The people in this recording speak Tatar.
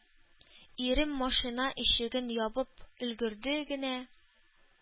Ирем машина ишеген ябып өлгерде генә,